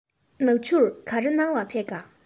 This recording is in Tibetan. ནག ཆུར ག རེ གནང བར ཕེབས ཀ